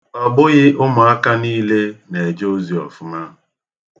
Ọ bụghị ụmụaka nille na-eje ozi ọfụma.